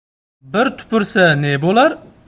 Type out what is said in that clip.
bir tupursa ne bo'lar